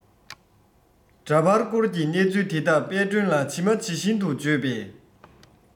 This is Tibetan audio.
འདྲ པར བསྐོར གྱི གནས ཚུལ དེ དག དཔལ སྒྲོན ལ ཇི མ ཇི བཞིན དུ བརྗོད པས